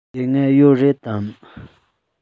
དེ སྔ ཡོད རེད དམ